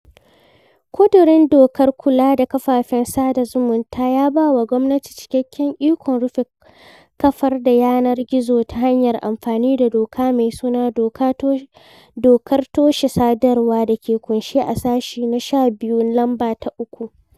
ƙudurin dokar kula da kafafen sada zumunta ya ba wa gwamnati cikakken ikon rufe kafar ta yanar gizo ta hanyar amfani da doka mai suna "Dokar Toshe Sadarwa" da ke ƙunshe a sashe na 12, lamba ta 3.